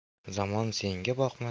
zamon senga boqmasa